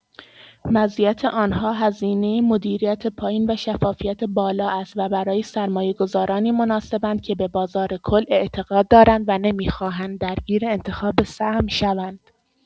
مزیت آنها هزینه مدیریت پایین و شفافیت بالا است و برای سرمایه‌گذارانی مناسب‌اند که به بازار کل اعتقاد دارند و نمی‌خواهند درگیر انتخاب سهم شوند.